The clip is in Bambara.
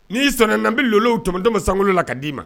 N''i sɔnna nbbili l o tomɔ toma san k' d dii ma